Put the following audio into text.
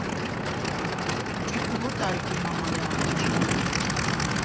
Գիրքը ո՞ր տարիքի համար է ավելի շատ։